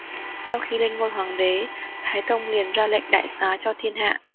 sau khi lên ngôi hoàng đế thái tông liền ra lệnh đại xá cho thiên hạ